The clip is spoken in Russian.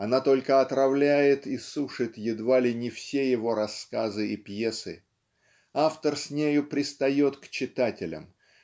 она только отравляет и сушит едва ли не все его рассказы и пьесы. Автор с нею пристав! к читателям.